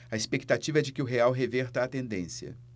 a expectativa é de que o real reverta a tendência